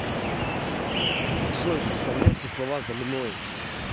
джой поставляй все слова за мной